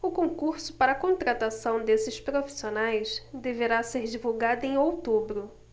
o concurso para contratação desses profissionais deverá ser divulgado em outubro